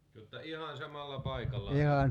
jotta ihan samalla paikalla ollaan